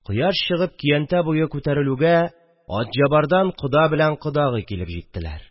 Кояш чыгып көянтә буе күтәрелүгә, Атҗабардан кода белән кодагый килеп җиттеләр